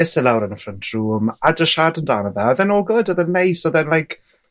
iste lawr yn y ffrynt rŵm a jys siarad amdano fe. A odd e'n all good odd e'n neis odd e'm like